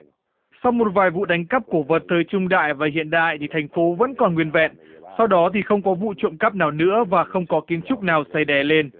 sau một vài vụ đánh cắp cổ vật thời trung đại và hiện đại thì thành phố vẫn còn nguyên vẹn sau đó thì không có vụ trộm cắp nào nữa và không có kiến trúc nào xây đè lên